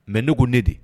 Mɛ n neg ne di